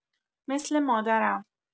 مثل ماردم